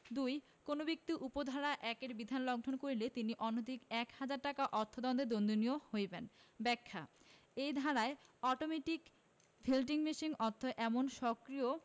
২ কোন ব্যক্তি উপ ধারা ১ এর বিধান লংঘন করিলে তিনি অনধিক এক হাজার টাকা অর্থ দন্ডে দন্ডনীয় হইবেন ব্যাখ্যাঃ এই ধারায় অটোমেটিক ভেন্ডিং মেশিন অর্থ এমন স্বক্রিয়